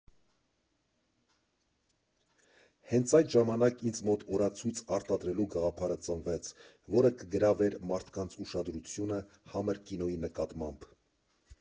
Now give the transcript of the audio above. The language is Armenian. Հենց այդ ժամանակ ինձ մոտ օրացույց արտադրելու գաղափար ծնվեց, որը կգրավեր մարդկանց ուշադրությունը համր կինոյի նկատմամբ։